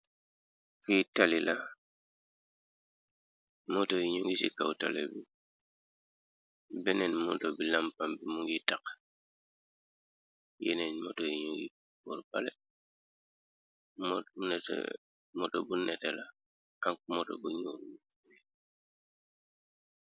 Fi tali la moto yi ño ngi ci kaw tale bi benneen moto bi lampam bi mu ngiy tax yeneen moto yu ño ngi boor pale moto bu neté la akk moto bu ñool.